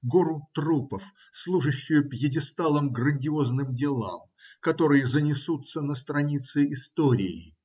гору трупов, служащую пьедесталом грандиозным делам, которые занесутся на страницы истории.